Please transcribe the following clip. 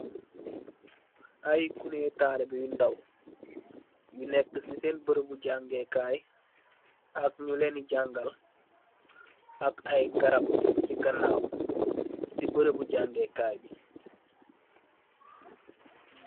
Ay gone talibe yu daaw, yu neka si seen barabu jangekay ak nyu lene jangal ak ay garab si ganaw si barabu jange kay bi